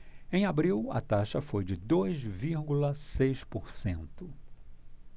em abril a taxa foi de dois vírgula seis por cento